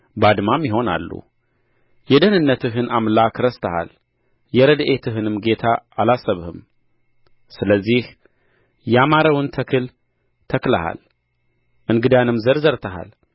ባድማም ይሆናሉ የደኅንነትህን አምላክ ረስተሃል የረድኤትህንም ጌታ አላሰብህም ስለዚህ ያማረውን ተክል ተክለሃል እንግዳንም ዘር ዘርተሃል